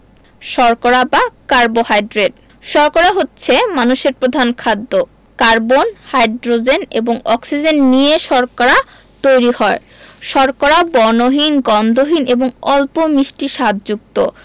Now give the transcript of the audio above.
শর্করা বা কার্বোহাইড্রেট শর্করা হচ্ছে মানুষের প্রধান খাদ্য কার্বন হাইড্রোজেন এবং অক্সিজেন নিয়ে শর্করা তৈরি হয় শর্করা বর্ণহীন গন্ধহীন এবং অল্প মিষ্টি স্বাদযুক্ত